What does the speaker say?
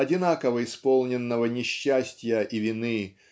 одинаково исполненного несчастья и вины